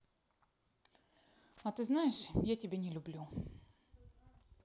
а ты знаешь я тебя не люблю